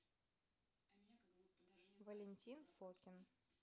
valentin fokin